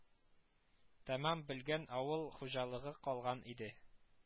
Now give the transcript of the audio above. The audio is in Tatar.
Тәмам белгән авыл хуҗалыгы калган иде